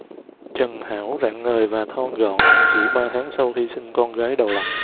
trần hảo rạng ngời và thon gọn chỉ ba tháng sau khi sinh con gái đầu lòng